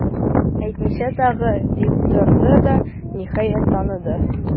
Әйтмичә тагы,- дип торды да, ниһаять, тынды.